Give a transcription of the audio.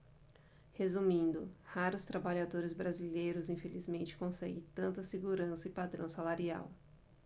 resumindo raros trabalhadores brasileiros infelizmente conseguem tanta segurança e padrão salarial